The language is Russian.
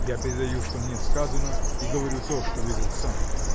Я передаю, что мне сказано, и говорю то, что видел сам.